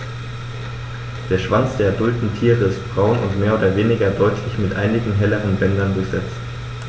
Der Schwanz der adulten Tiere ist braun und mehr oder weniger deutlich mit einigen helleren Bändern durchsetzt.